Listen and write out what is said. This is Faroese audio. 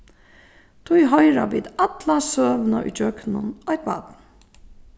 tí hoyra vit alla søguna ígjøgnum eitt barn